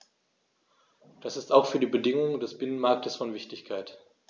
Das ist auch für die Bedingungen des Binnenmarktes von Wichtigkeit.